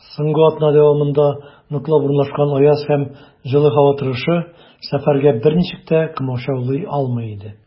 Соңгы атна дәвамында ныклап урнашкан аяз һәм җылы һава торышы сәфәргә берничек тә комачаулый алмый иде.